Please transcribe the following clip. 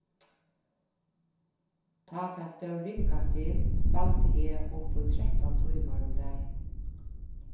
tá tað stóð ringast til spældi eg upp í trettan tímar um dagin